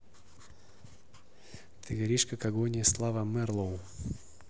ты горишь как агония слава мэрлоу